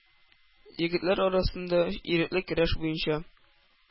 Егетләр арасында ирекле көрәш буенча